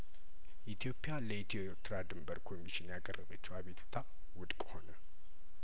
ኢትዮፕያለኢትዮ ኤርትራ ድንበር ኮሚሽን ያቀረበችው አቤቱታ ውድቅ ሆነ